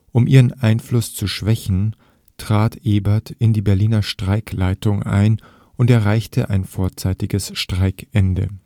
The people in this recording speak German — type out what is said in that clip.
Um ihren Einfluss zu schwächen, trat Ebert in die Berliner Streikleitung ein und erreichte ein vorzeitiges Streikende